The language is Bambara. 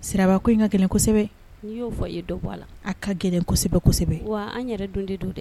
Sira ko in ka gɛlɛnsɛbɛ n'i y'o fɔ ye do bɔ la a ka gɛlɛn kosɛbɛsɛbɛ wa an yɛrɛ don de don dɛ